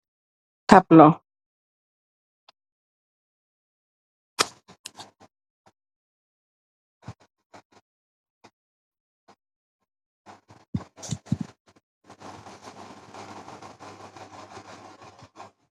Lii amb taplala bou am color